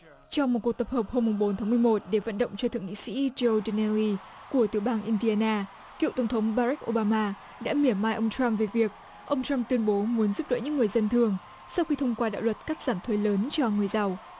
trong một cuộc tập hợp hôm mùng bốn tháng mười một để vận động cho thượng nghị sĩ chô đờ ne li của tiểu bang in ti a na cựu tổng thống ba rách ô ba ma đã mỉa mai ông trăm về việc ông trăm tuyên bố muốn giúp đỡ những người dân thường sau khi thông qua đạo luật cắt giảm thuế lớn cho người giàu